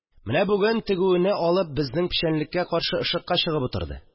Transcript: Менә бүген, тегүене алып, безнең печәнлеккә каршы ышыкка чыгып утырды